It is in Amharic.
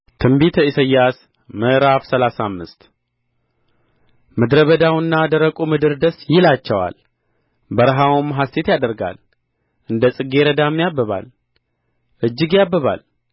ትንቢተ ኢሳይያስ ምዕራፍ ሰላሳ አምሰት ምድረ በዳውና ደረቁ ምድር ደስ ይላቸዋል በረሀውም ሐሤት ያደርጋል እንደ ጽጌ ረዳም ያብባል እጅግ ያብባል